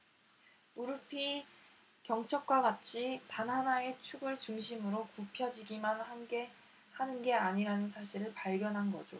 무릎이 경첩과 같이 단 하나의 축을 중심으로 굽혀지기만 하는 게 아니라는 사실을 발견한 거죠